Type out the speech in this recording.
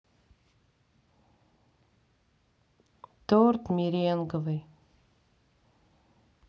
торт меренговый